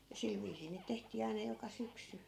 ja sillä viisiin niitä tehtiin aina joka syksy